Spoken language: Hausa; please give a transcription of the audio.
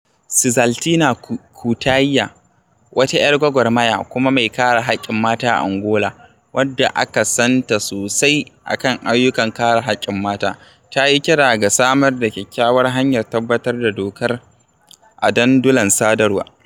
Sizaltina Cutaia, wata 'yar gwargwarmaya kuma mai kare haƙƙin mata a Angola, wadda aka san ta sosai a kan ayyukan kare haƙƙin mata, ta yi kira ga samar da kyakkyawar hanyar tabbatar da dokar a dandulan sadarwa: